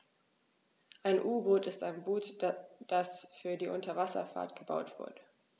Ein U-Boot ist ein Boot, das für die Unterwasserfahrt gebaut wurde.